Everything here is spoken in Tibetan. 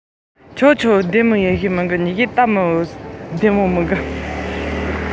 ཅེས གཏམ གླེང གསར པ ཞིག གི མགོ བརྩམས སོང